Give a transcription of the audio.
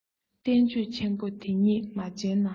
བསྟན བཅོས ཆེན པོ འདི གཉིས མ མཇལ ན